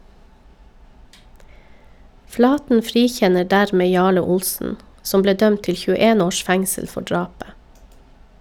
Flaten frikjenner dermed Jarle Olsen, som ble dømt til 21 års fengsel for drapet.